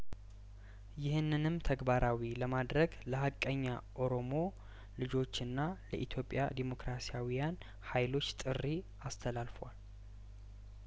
ይህንንም ተግባራዊ ለማድረግ ለሀቀኛ ኦሮሞ ልጆችና ለኢትዮጵያ ዴሞክራሲያዊያን ሀይሎች ጥሪ አስተላልፏል